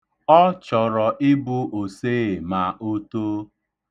Ọ chọrọ ịbụ osee ma o too.